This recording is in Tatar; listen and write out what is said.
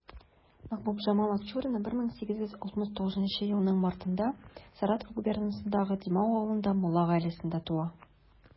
Мәхбүбҗамал Акчурина 1869 елның мартында Саратов губернасындагы Димау авылында мулла гаиләсендә туа.